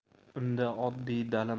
unda oddiy dala